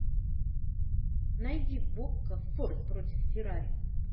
найди в окко форд против феррари